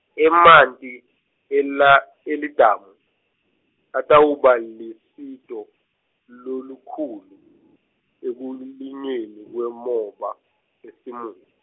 emanti ela, elidamu, atawuba lusito, lolukhulu, ekulinyweni kwemoba, eSimunye.